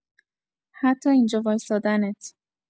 حتی اینجا وایستادنت